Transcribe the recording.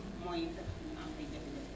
mooy fexe bu mu am ay jafe-jafe